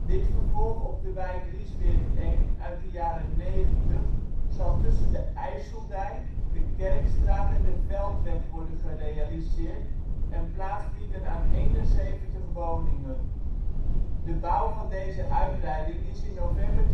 Dit vervolg op de wijk Riesweerd I uit de jaren negentig zal tussen de IJsseldijk, de Kerkstraat en de Veldweg worden gerealiseerd en plaats bieden aan 71 woningen. De bouw van deze uitbreiding is in november